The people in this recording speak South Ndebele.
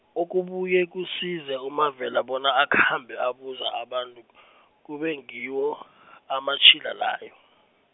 okubuye kusize uMavela bona akhambe abuza abantu , kube ngiwo , amatjhila layo.